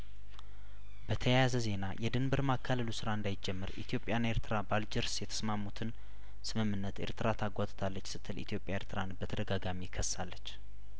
በተያያዘ ዜና የድንበር ማካለሉ ስራ እንዳይጀመር ኢትዮጵያና ኤርትራ በአልጀርስ የተስማሙትን ስምምነት ኤርትራ ታጓትታለች ስትል ኢትዮጵያ ኤርትራን በተደጋጋሚ ከሳለች